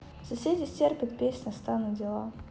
соседи стерпят песня стану дела